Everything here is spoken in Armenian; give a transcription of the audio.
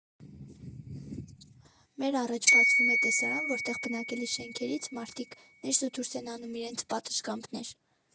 Մեր առաջ բացվում է տեսարան, որտեղ բնակելի շենքերից մարդիկ ներս ու դուրս են անում իրենց պատշգամբներ։